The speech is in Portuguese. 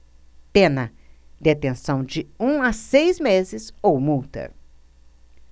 pena detenção de um a seis meses ou multa